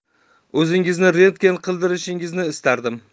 o'zingizni rentgen qildirishingizni istardim